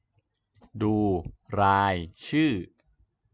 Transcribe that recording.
ดูรายชื่อ